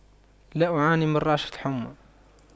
لا أعاني من رعشة حمى